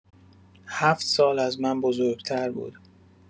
هفت سال از من بزرگتر بود.